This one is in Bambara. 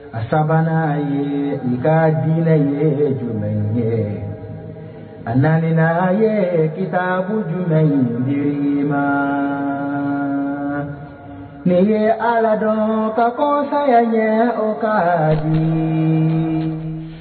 A sabanan ye i ka diinɛ ye jumɛn ye a na na ye kita jumɛn ɲini le ma ne ye ala dɔn ka ko sayaya ye o ka jigin